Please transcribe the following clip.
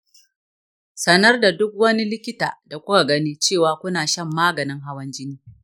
sanar da duk likita da kuka gani cewa kuna shan maganin hawan jini.